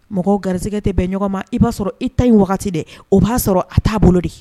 Mɔgɔ garisɛgɛ tɛ bɛn ɲɔgɔn ma i b'a sɔrɔ i ta ɲi dɛ o b'a sɔrɔ a t'a bolo de